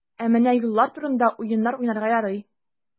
Ә менә юллар турында уеннар уйнарга ярый.